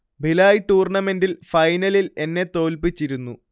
ഭിലായ് ടൂർണമെൻിൽ ഫൈനലിൽ എന്നെ തോൽപ്പിച്ചിരുന്നു